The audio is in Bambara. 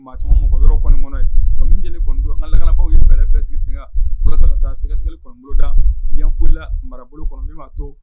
Maa caman b'u ka yɔrɔ kɔni kɔnɔ ye min jɛli kɔni don an ka lakanabagaw ye fɛrɛ bɛɛ sigi sen kan walasasa ka taa sɛgɛsɛgɛli kɔni boloda Yanfolila marabolo kɔnɔ min ba to